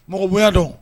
Mɔgɔ bonya dɔn